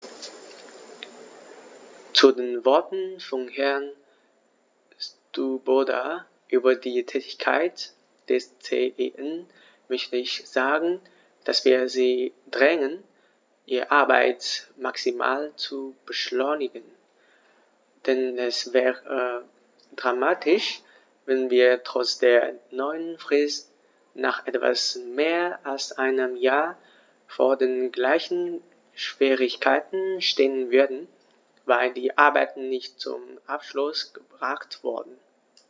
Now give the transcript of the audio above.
Zu den Worten von Herrn Swoboda über die Tätigkeit des CEN möchte ich sagen, dass wir sie drängen, ihre Arbeit maximal zu beschleunigen, denn es wäre dramatisch, wenn wir trotz der neuen Frist nach etwas mehr als einem Jahr vor den gleichen Schwierigkeiten stehen würden, weil die Arbeiten nicht zum Abschluss gebracht wurden.